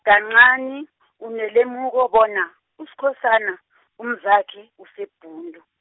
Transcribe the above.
kancani , unelemuko bona, Uskhosana , umzakhe, useBhundu.